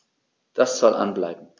Das soll an bleiben.